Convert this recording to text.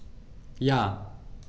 Ja.